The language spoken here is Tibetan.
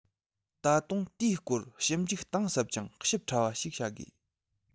ད དུང དེའི སྐོར ཞིབ འཇུག གཏིང ཟབ ཅིང ཞིབ ཕྲ བ ཞིག བྱ དགོས